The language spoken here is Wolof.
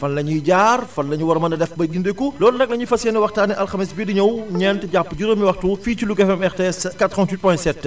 fan la ñuy jaar fan la ñu war a mën a def ba gindeeku loolu nag la ñuy fas yéene waxtaanee alxames bii di ñëw ñeent jàpp juróomi waxtu fii ci Louga FM RTS 88.7